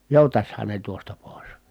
joutaisihan ne tuosta pois